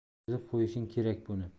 bilib qo'yishing kerak buni